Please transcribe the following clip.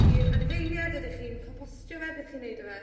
i'r anifeiliaid ydych chi'n compostio beth chi'n neud 'dy fe?